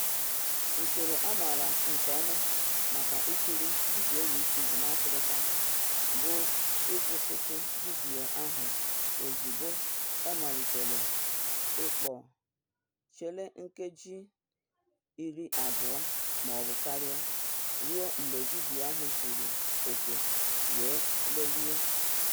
Usoro a maara nke ọma maka ikiri vidiyo YouTube na Afrịka bụ ịkwụsịtụ vidiyo ahụ ozugbo ọ malitere ịkpọ, chere nkeji 20 (maọbụ karịa) ruo mgbe vidiyo ahụ zuru oke, wee lelee.